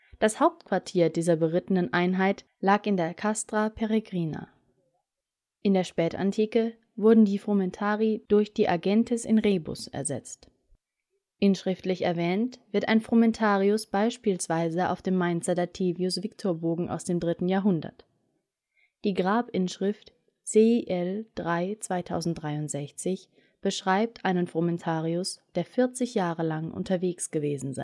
Das Hauptquartier dieser berittenen Einheit lag in der castra peregrina. In der Spätantike wurden die frumentarii durch die agentes in rebus ersetzt. Inschriftlich erwähnt wird ein frumentarius beispielsweise auf dem Mainzer Dativius-Victor-Bogen aus dem 3. Jahrhundert. Die Grabinschrift CIL 3, 2063 beschreibt einen frumentarius, der 40 Jahre lang unterwegs gewesen